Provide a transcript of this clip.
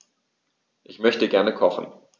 Ich möchte gerne kochen.